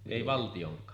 ei valtionkaan